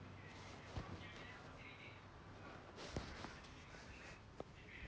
как делать показывать мальчика